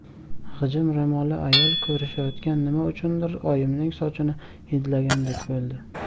g'ijim ro'molli ayol ko'rishayotganda nima uchundir oyimning sochini hidlagandek bo'ldi